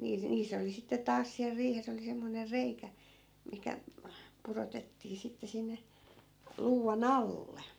- niissä oli sitten taas siellä riihessä oli semmoinen reikä mihin pudotettiin sitten sinne luuvan alle